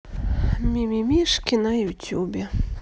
ми ми мишки в ютубе